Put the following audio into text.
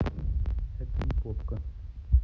это не попка